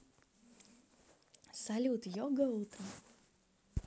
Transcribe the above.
салют йога утром